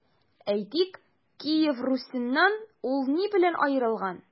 Әйтик, Киев Русеннан ул ни белән аерылган?